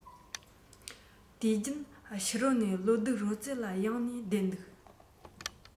དུས རྒྱུན ཕྱི རོལ ནས གློག རྡུལ རོལ རྩེད ལ གཡེང ནས བསྡད འདུག